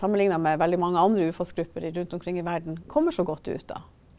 sammenligna med veldig mange andre urfolksgrupper rundt omkring i verden, kommer så godt ut da?